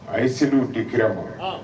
A ye seliw di kira ma.